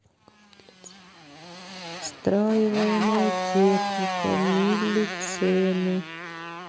встраиваемая техника милли цены